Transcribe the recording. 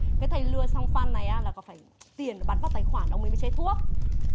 cái tay lưa xong phan này á là còn phải tiền nó bắn vào tài khoản ông ấy mới chế thuốc